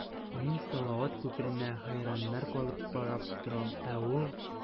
Мин салават күперенә хәйраннар калып карап торам, ә ул...